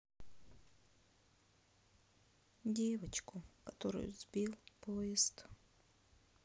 девочку которую сбил поезд